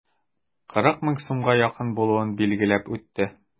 40 мең сумга якын булуын билгеләп үтте.